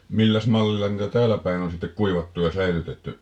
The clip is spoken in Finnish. milläs mallilla niitä täällä päin on sitten kuivattu ja säilytetty